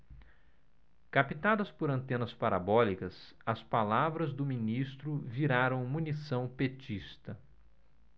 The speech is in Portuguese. captadas por antenas parabólicas as palavras do ministro viraram munição petista